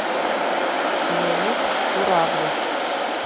леонид куравлев